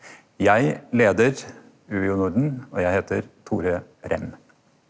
eg leier UiO Norden og eg heiter Tore Rem.